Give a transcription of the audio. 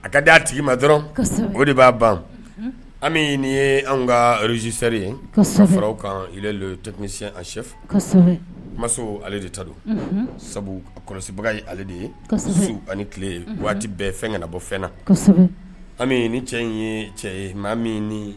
A ka d' a tigi ma dɔrɔn o de b'a ban ami nin ye anw ka rurozsɛri yew kasi sɛ maso ale de ta don sabu kɔlɔsibaga ye ale de ye ani tile waati bɛɛ fɛn ka na bɔ fɛn na ami ni cɛ in ye cɛ ye maa min